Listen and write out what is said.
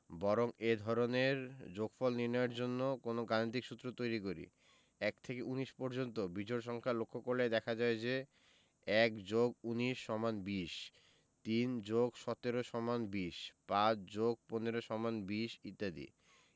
বরং এ ধরনের যোগফল নির্ণয়ের জন্য কোনো গাণিতিক সূত্র তৈরি করি ১ থেকে ১৯ পর্যন্ত বিজোড় সংখ্যা লক্ষ করলে দেখা যায় যে ১+১৯=২০ ৩+১৭=২০ ৫+১৫=২০ ইত্যাদি